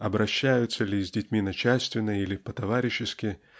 обращаются ли с детьми начальственно или "по-товарищески"